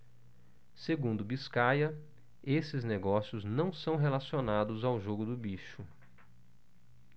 segundo biscaia esses negócios não são relacionados ao jogo do bicho